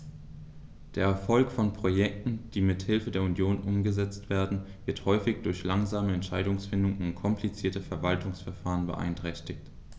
Der Erfolg von Projekten, die mit Hilfe der Union umgesetzt werden, wird häufig durch langsame Entscheidungsfindung und komplizierte Verwaltungsverfahren beeinträchtigt.